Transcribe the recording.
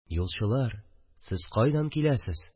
– юлчылар, сез кайдан киләсез